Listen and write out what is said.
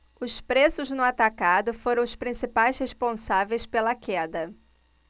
os preços no atacado foram os principais responsáveis pela queda